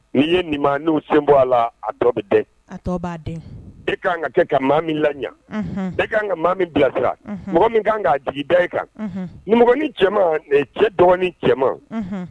N'i ye nin n'u senbɔ a la a dɔ bɛ e ka kan ka kɛ ka mɔgɔ min la e kan ka mɔgɔ min bilasira mɔgɔ min kan ka dege da i kan niin cɛman nin cɛ dɔgɔni cɛman